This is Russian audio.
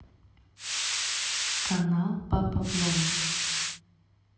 канал папа блонд